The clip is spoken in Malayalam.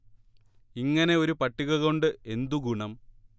ഇങ്ങനെ ഒരു പട്ടിക കൊണ്ട് എന്തു ഗുണം